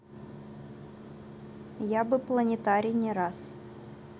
я бы планетарий не раз